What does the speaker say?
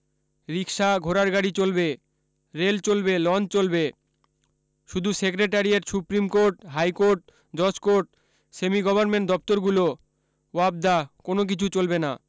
রিকশা ঘোড়ারগাড়ি চলবে রেল চলবে লঞ্চ চলবে শুধু secretariat supreme court high court judge court semi government দপ্তরগুলো ওয়াপদা কোন কিছু চলবে না